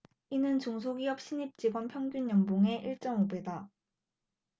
이는 중소기업 신입 직원 평균 연봉의 일 쩜 오 배다